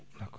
d' accord